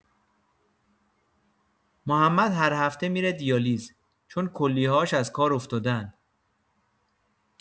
محمد هر هفته می‌ره دیالیز، چون کلیه‌هاش از کار افتادن.